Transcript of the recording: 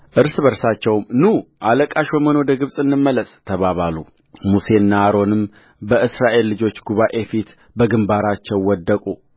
እርስ በርሳቸውም ኑ አለቃ ሾመን ወደ ግብፅ እንመለስ ተባባሉሙሴና አሮንም በእስራኤል ልጆች ጉባኤ ፊት በግምባራቸው ወደቁ